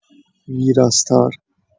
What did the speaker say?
ویراستار